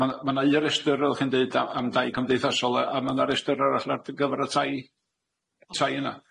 Ma' na ma' na un restyr fel chi'n deud a- am dai cymdeithasol yy a ma' na restyr arall ar gyfer y tai tai yna.